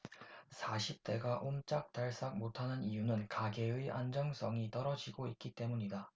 사십 대가 옴짝달싹 못하는 이유는 가계의 안정성이 떨어지고 있기 때문이다